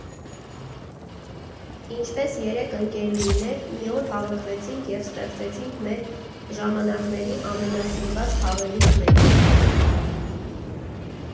Ինչպես երեք ընկերուհիներ մի օր հավաքվեցին և ստեղծեցին մեր ժամանակների ամենասիրված խաղերից մեկը։